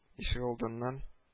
Ишегалдыннан